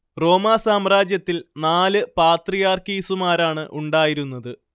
റോമാ സാമ്രാജ്യത്തിൽ നാലു പാത്രിയാർക്കീസുമാരാണ് ഉണ്ടായിരുന്നത്